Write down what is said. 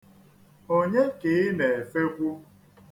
Onye ka Ị na-efekwu?